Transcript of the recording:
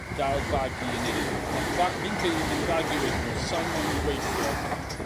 ga'l Barguil yn neud unrywbeth. Nath Ba- fi'n credu nath Barguil weutho n'w soi moyn gweithio